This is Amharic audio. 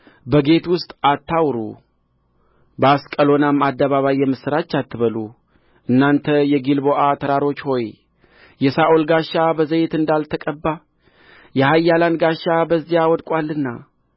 በጌት ውስጥ አታውሩ በአስቀሎናም አደባባይ የምስራች አትበሉ እናንተ የጊልቦዓ ተራሮች ሆይ የሳኦል ጋሻ በዘይት እንዳልተቀባ የኃያላን ጋሻ በዚያ ወድቆአልና